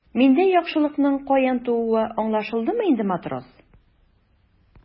Миндә яхшылыкның каян тууы аңлашылдымы инде, матрос?